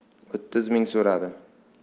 o'ttiz ming so'radi